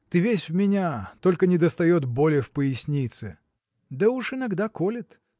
Ты весь в меня, только недостает боли в пояснице. – Да уж иногда колет.